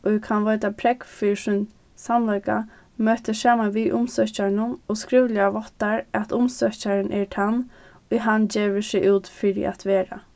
ið kann veita prógv fyri sín samleika møtir saman við umsøkjaranum og skrivliga váttar at umsøkjarin er tann ið hann gevur seg út fyri at vera